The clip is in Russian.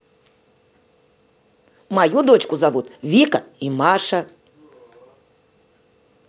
мою дочку зовут вика и маша